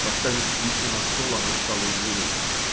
Поставив свечу на стол, она стала у дверей.